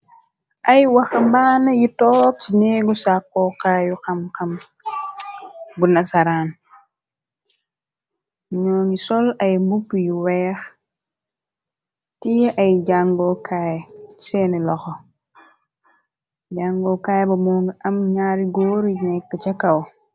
Ay waxa mbaana yi toor ci neegu sàkkookaayu xam xam bu nasaraan ñoo ngi sol ay mbup yu weex tie ay jangookaay seeni loxo jàngookaay ba moo ngi am ñaari góoru nekk ca kaw.